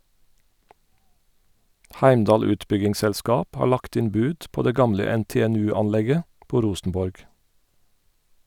Heimdal utbyggingsselskap har lagt inn bud på det gamle NTNU-anlegget på Rosenborg.